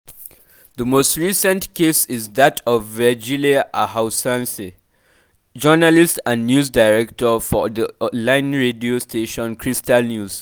The most recent case is that of Virgile Ahouansè, journalist and news director for the online radio station, Crystal News.